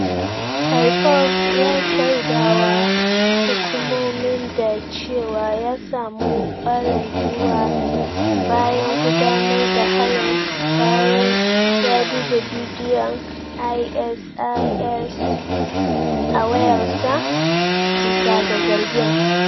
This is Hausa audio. Saipov ya shaida wa hukumomin da cewa ya samu kwarin guiwa bayan gudanar da harin bayan ya duba bidiyon ISIS a wayarsa, bisa ga zargin.